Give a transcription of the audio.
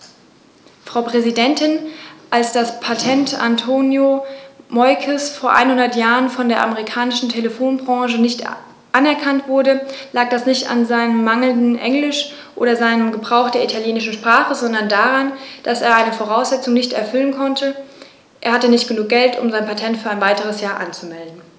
Frau Präsidentin, als das Patent Antonio Meuccis vor einhundert Jahren von der amerikanischen Telefonbranche nicht anerkannt wurde, lag das nicht an seinem mangelnden Englisch oder seinem Gebrauch der italienischen Sprache, sondern daran, dass er eine Voraussetzung nicht erfüllen konnte: Er hatte nicht genug Geld, um sein Patent für ein weiteres Jahr anzumelden.